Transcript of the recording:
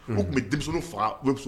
O tun bɛ denmisɛn faga